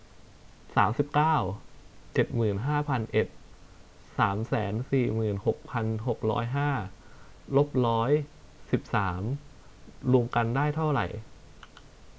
สามสิบเก้าเจ็ดหมื่นห้าพันเอ็ดสามแสนสี่หมื่นหกพันหกร้อยห้าลบร้อยสิบสามรวมกันได้เท่าไหร่